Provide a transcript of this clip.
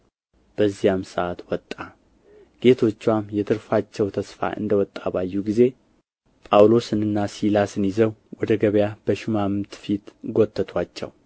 በዚያም ሰዓት ወጣ ጌቶችዋም የትርፋቸው ተስፋ እንደ ወጣ ባዩ ጊዜ ጳውሎስንና ሲላስን ይዘው ወደ ገበያ በሹማምት ፊት ጐተቱአቸው